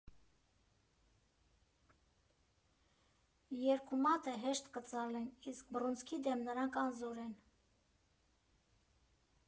Երկու մատը հեշտ կծալեն, իսկ բռունցքի դեմ նրանք անզոր են։